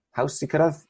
haws i cyrradd